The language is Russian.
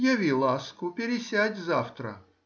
Яви ласку: пересядь завтра.